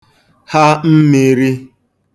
ha mmīrī